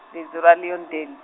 ndi dzula Leondale.